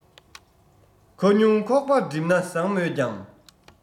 ཁ ཉུང ཁོག པ གྲིམ ན བཟང མོད ཀྱང